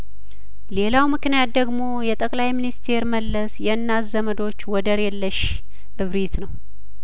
ሌላው ምክንያት ደግሞ የጠቅላይ ሚኒስቴር መለስ የእናት ዘመዶች ወደርየለሽ እብሪት ነው